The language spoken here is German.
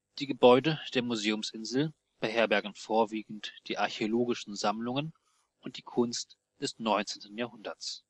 Die Gebäude der Museumsinsel beherbergen vorwiegend die archäologischen Sammlungen und die Kunst des 19. Jahrhunderts